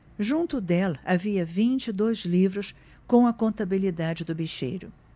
junto dela havia vinte e dois livros com a contabilidade do bicheiro